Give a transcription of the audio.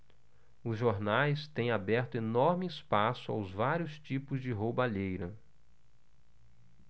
os jornais têm aberto enorme espaço aos vários tipos de roubalheira